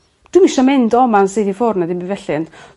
Dwi'm isio mynd o 'ma'n syth i ffwr na ddim byd felly ond